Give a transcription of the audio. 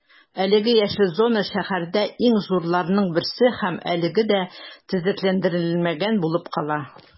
Әлеге яшел зона шәһәрдә иң зурларының берсе һәм әлегә дә төзекләндерелмәгән булып кала.